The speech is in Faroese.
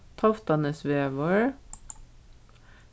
toftanesvegur